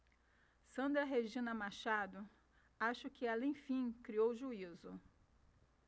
sandra regina machado acho que ela enfim criou juízo